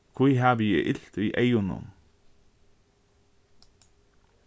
hví havi eg ilt í eygunum